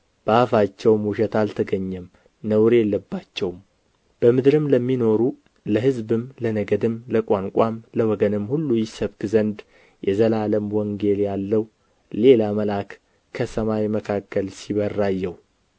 በአፋቸውም ውሸት አልተገኘም ነውር የለባቸውም በምድርም ለሚኖሩ ለሕዝብም ለነገድም ለቋንቋም ለወገንም ሁሉ ይሰብክ ዘንድ የዘላለም ወንጌል ያለው ሌላ መልአክ ከሰማይ መካከል ሲበር አየሁ